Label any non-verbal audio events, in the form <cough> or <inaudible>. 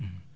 <hesitation> <hesitation>